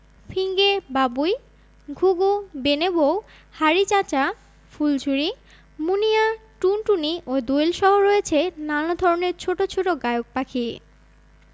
ফিঙে বাবুই ঘুঘু বেনে বৌ হাঁড়িচাঁচা ফুলঝুরি মুনিয়া টুনটুনি ও দোয়েলসহ রয়েছে নানা ধরনের ছোট ছোট গায়ক পাখি